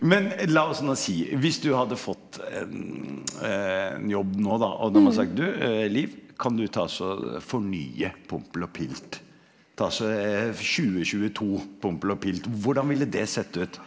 men la oss nå si, hvis du hadde fått en en jobb nå da og dem har sagt, du Liv kan du ta også fornye Pompel og Pilt, ta også 2022 Pompel og Pilt, hvordan ville det sett ut?